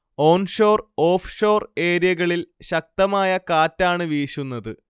onshore, offshore ഏരിയകളിൽ ശക്തമായ കാറ്റാണ് വീശുന്നത്